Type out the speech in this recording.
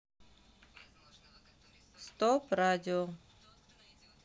стоп радио